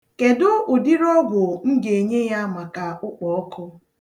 Kedụ ụdịrị ọgwụ m ga-enye ya maka ụkpọọkụ?